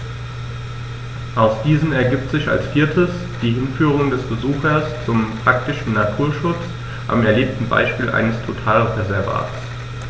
Aus diesen ergibt sich als viertes die Hinführung des Besuchers zum praktischen Naturschutz am erlebten Beispiel eines Totalreservats.